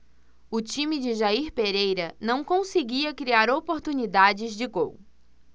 o time de jair pereira não conseguia criar oportunidades de gol